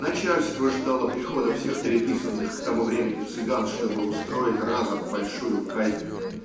начальство ждало прихода всех переписанных к тому времени цыган, чтобы устроить разом большую казнь.